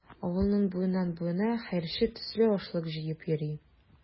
Авылның буеннан-буена хәерче төсле ашлык җыеп йөри.